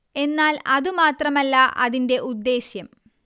എന്നാൽ അതു മാത്രമല്ല അതിന്റെ ഉദ്ദേശ്യം